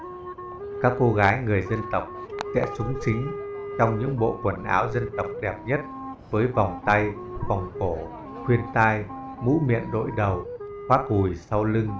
các cô gái người dân tộc sẽ xúng xính những bộ quần áo dân tộc đẹp nhất với vòng tay vòng cổ khuyên tai mũ miện đội đầu khoác gùi sau lưng